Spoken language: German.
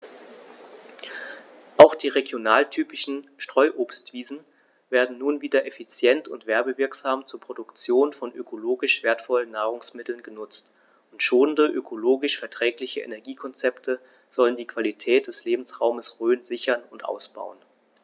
Auch die regionaltypischen Streuobstwiesen werden nun wieder effizient und werbewirksam zur Produktion von ökologisch wertvollen Nahrungsmitteln genutzt, und schonende, ökologisch verträgliche Energiekonzepte sollen die Qualität des Lebensraumes Rhön sichern und ausbauen.